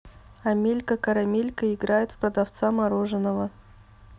амелька карамелька играет в продавца мороженого